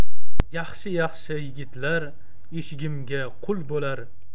yaxshi yaxshi yigitlar eshigimga qui bo'lar